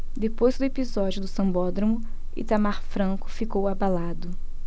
depois do episódio do sambódromo itamar franco ficou abalado